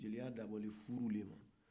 jeliya dabɔra furu de ma